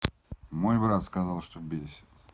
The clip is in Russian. мой брат сказал что бесит